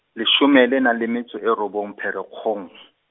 leshome le nang le metso e robong Pherekgong .